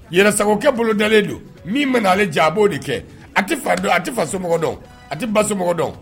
Ɛlɛnsakɛ bolo dalenlen don min bɛ'ale jan a b'o de kɛ a tɛ fa dɔn a tɛ fasomɔgɔ dɔn a tɛ bamɔgɔ dɔn